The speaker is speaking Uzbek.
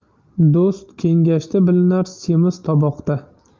do'st kengashda bilinar semiz toboqda